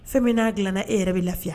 Fɛn min'a dilanna e yɛrɛ bɛ lafiya